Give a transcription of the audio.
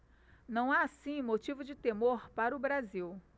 não há assim motivo de temor para o brasil